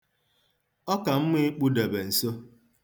Ọ ka mma ịkpụdebe nso.